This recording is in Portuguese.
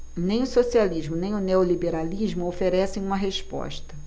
nem o socialismo nem o neoliberalismo oferecem uma resposta